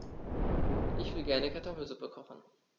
Ich will gerne Kartoffelsuppe kochen.